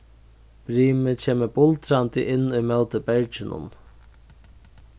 brimið kemur buldrandi inn ímóti berginum